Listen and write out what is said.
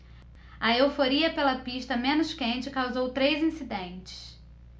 a euforia pela pista menos quente causou três incidentes